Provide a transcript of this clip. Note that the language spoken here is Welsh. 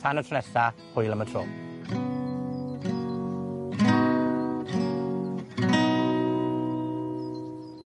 Tan y tro nesa, hwyl am y tro.